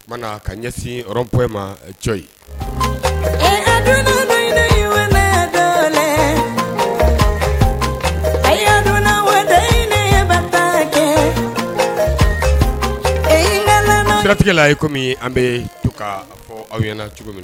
O ka ɲɛsin ma jɔ ye kɛ jatigitigɛla ye komi an bɛ to ka fɔ aw ɲɛna cogo min